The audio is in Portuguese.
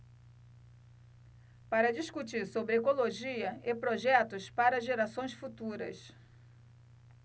para discutir sobre ecologia e projetos para gerações futuras